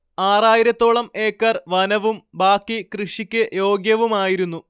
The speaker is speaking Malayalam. ആറായിരത്തോളം ഏക്കർ വനവും ബാക്കി കൃഷിക്ക് യോഗ്യവുമായിരുന്നു